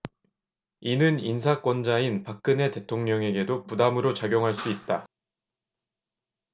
이는 인사권자인 박근혜 대통령에게도 부담으로 작용할 수 있다